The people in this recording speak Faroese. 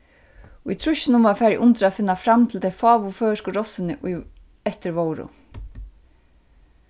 í trýssunum var farið undir at finna fram til tey fáu føroysku rossini ið eftir vóru